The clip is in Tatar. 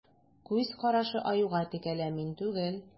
Күз карашы Аюга текәлә: мин түгел.